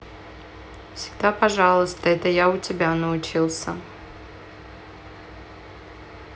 всегда пожалуйста это я у тебя научился